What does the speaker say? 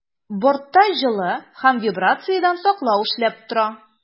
Бортта җылы һәм вибрациядән саклау эшләп тора.